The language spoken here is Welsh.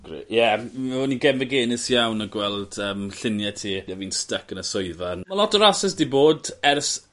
Grê- ie mi o'n i genfigennus iawn a gweld yym llunie ie fi'n styc yn y swyddfa yn... Ma' lot o rasus 'di bod ers